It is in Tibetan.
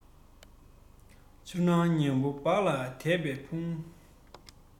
ཆུ ནང ཉ མོ སྤགས ལ དད པས ཕུང